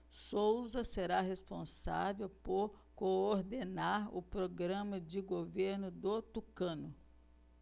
souza será responsável por coordenar o programa de governo do tucano